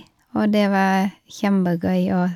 Og det var kjempegøy òg.